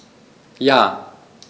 Ja.